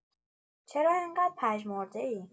چرا انقدر پژمرده‌ای؟